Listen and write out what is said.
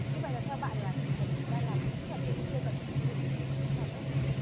như vậy là theo bạn là chỉ cần người ta làm đúng kỹ thuật thôi chứ chưa cần phải khác biệt gì đã là tốt rồi